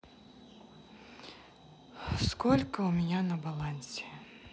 сколько у меня на балансе